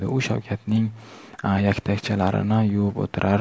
u shavkatning yaktakchalarini yuvib o'tirar